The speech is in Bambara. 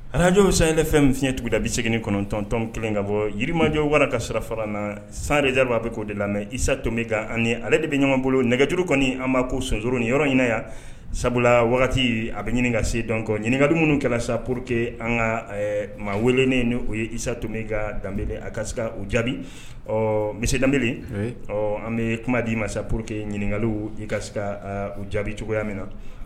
Ararakajw saɛlɛ fɛn min f fiɲɛɲɛ tugu da bɛ segin kɔnɔntɔntɔn kelen ka bɔ yirimajɔ waa ka sira fara na san dedi bɛ k'o de la mɛ isa to ale de bɛ ɲɔgɔn bolo nɛgɛjuru kɔni an b'a ko sonsuru ni yɔrɔ ɲɛna yan sabula wagati a bɛ ɲininka ka se dɔn kɔ ɲininkakali minnu kɛra sa po que an ka maa welenen o ye isa to ka danbe a ka ka u jaabi ɔ misi danb ɔ an bɛ kuma di ma sa po que ɲininkakali i ka ka u jaabi cogoya min na